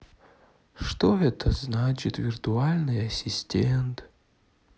что это значит виртуальный ассистент